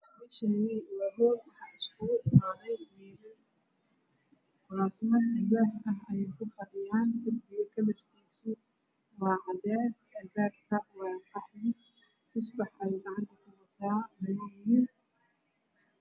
Meshani waa hool waxa isku imaaday wilal kurasman alwax ah ayeey ku fadhiyaan darbiga kalar kiiso waa cades albaabka waa qaxwi tusbax ayeey gacanta ku wataan